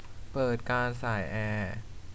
เปิดการส่ายแอร์